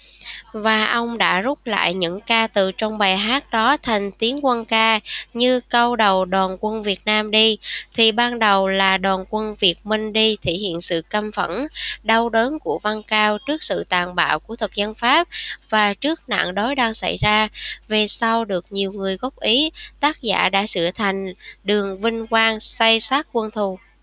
và ông đã rút lại những ca từ trong bài hát đó thành tiến quân ca như câu đầu đoàn quân việt nam đi thì ban đầu là đoàn quân việt minh đi thể hiện sự căm phẫn đau đớn của văn cao trước sự tàn bạo của thực dân pháp và trước nạn đói đang xảy ra về sau được nhiều người góp ý tác giả đã sửa thành đường vinh quang xây xác quân thù